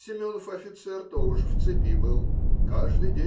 Семенов офицер тоже в цепи был каждый